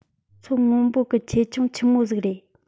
མཚོ སྔོན པོ གི ཆེ ཆུང ཆི མོ ཟིག ཡོད